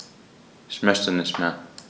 Ich möchte nicht mehr.